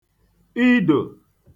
idò